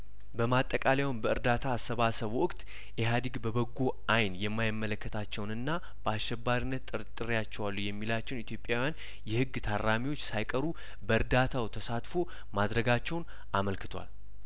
በማጠቃለያውም በእርዳታ አሰባሰቡ ወቅት ኢህአዲግ በበጐ አይን የማይመለከታቸውንና በአሸባሪነት ጠርጥሬያቸዋለሁ የሚላቸው ኢትዮጵያውያን የህግ ታራሚዎች ሳይቀሩ በእርዳታው ተሳትፎ ማድረጋቸውን አመልክቷል